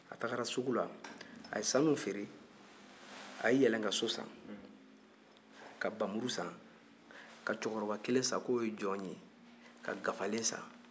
a taara sugu la a ye sanu feere a ye yɛlɛnka-so san ka npamuru san cɛkɔrɔba kelen san ko ye jɔn ye gafalen san